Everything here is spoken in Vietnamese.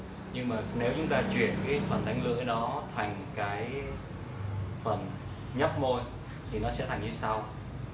nhưng nếu chuyển đánh lưỡi thành nhấp môi thì sẽ nghe như sau